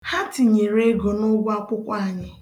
Ha tinyere ego n'ụgwọ akwụkwọ anyị.